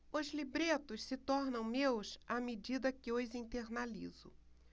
os libretos se tornam meus à medida que os internalizo